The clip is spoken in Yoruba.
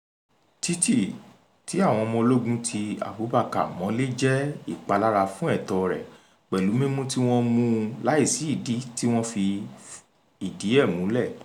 Títì tí àwọn ológun ti Abubacar mọ́lé jẹ́ ìpalára fún ẹ̀tọ́ rẹ pẹ̀lú mímú tí wọ́n mú un láìsí ìdí tí wọ́n fi ìdí ẹ múlẹ̀.